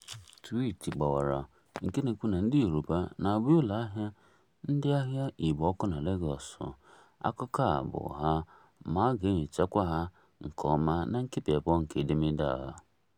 Twiiti gbawara nke na-ekwu na ndị Yoruba na-agba ụlọ ahịa ndị ahịa Igbo ọkụ na Lagos. Akụkọ abụọ a bụ ụgha ma a ga-enyochakwa ha nke ọma na Nkebi II nke edemede a.